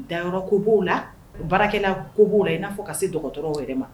Dayɔrɔ ko b'o la baarakɛlala ko b'o la i n'a fɔ ka se dɔgɔtɔrɔw wɛrɛ ma